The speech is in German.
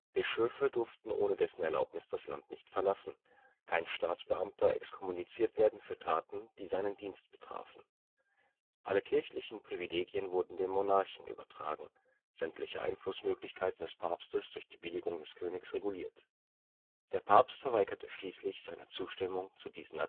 Bischöfe durfte ohne dessen Erlaubnis das Land nicht verlassen, kein Staatsbeamter exkommuniziert werden für Taten, die seinen Dienst betrafen. Alle kirchlichen Privilegien wurden dem Monarchen übertragen, sämtliche Einflussmöglichkeiten des Papstes durch die Billigung des Königs reguliert. Der Papst verweigerte schließlich seine Zustimmung zu diesen